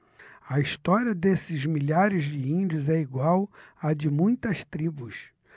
a história desses milhares de índios é igual à de muitas tribos